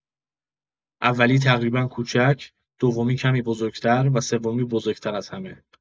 اولی تقریبا کوچک، دومی کمی بزرگ‌تر و سومی بزرگ‌تر از همه.